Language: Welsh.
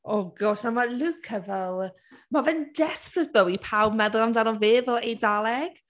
Oh, gosh, a mae Luca fel... mae fe’n desperate though i pawb meddwl amdano fe fel Eidaleg.